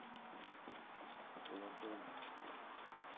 платон